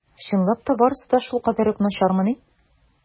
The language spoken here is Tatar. Чынлап та барысы да шулкадәр үк начармыни?